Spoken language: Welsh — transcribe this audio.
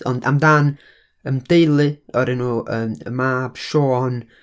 Ond amdan, yym, deulu o'r enw, yym, y mab, Siôn,